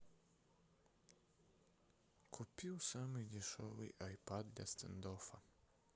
купил самый дешевый айпад для стэндоффа